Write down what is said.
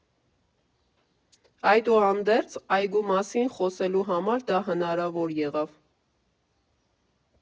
Այդուհանդերձ, այգու մասին խոսելու համար դա հնարավոր եղավ։